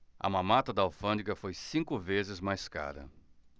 a mamata da alfândega foi cinco vezes mais cara